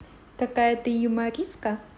какая ты юмористка